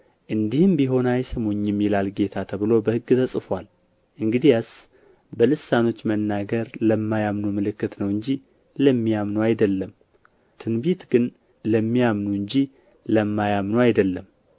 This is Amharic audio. እንዲህም ቢሆን አይሰሙኝም ይላል ጌታ ተብሎ በሕግ ተጽፎአል እንግዲያስ በልሳኖች መናገር ለማያምኑ ምልክት ነው እንጂ ለሚያምኑ አይደለም ትንቢት ግን ለሚያምኑ እንጂ ለማያምኑ አይደለም